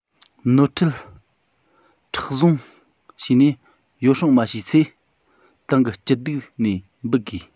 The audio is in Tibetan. ནོར འཁྲུལ མཁྲེགས བཟུང བྱས ནས ཡོ བསྲང མ བྱས ཚེ ཏང གི སྐྱིད སྡུག ནས འབུད དགོས